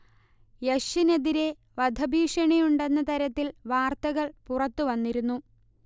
യഷിനെതിരേ വധഭീഷണിയുണ്ടെന്ന തരത്തിൽ വാർത്തകൾ പുറത്ത് വന്നിരുന്നു